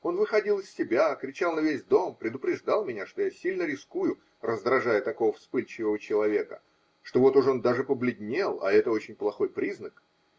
Он выходил из себя, кричал на весь дом, предупреждал меня, что я сильно рискую, раздражая такого вспыльчивого человека, что вот уж он даже побледнел, а это очень плохой признак